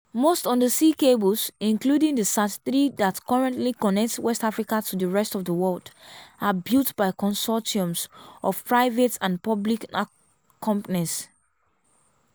Most undersea cables, including the SAT-3 that currently connects West Africa to the rest of the world, are built by consortiums of private and public (national) companies.